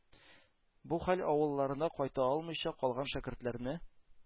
Бу хәл авылларына кайта алмыйча калган шәкертләрне